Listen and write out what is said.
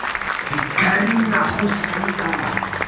карина хусаинова